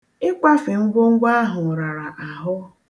Ịkwafe ngwongwo ahụ rara ahụ.